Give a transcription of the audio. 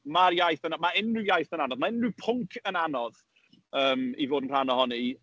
Mae'r iaith yn a-... ma' unrhyw iaith yn anodd, ma' unrhyw pwnc yn anodd, yym, i fod yn rhan ohoni.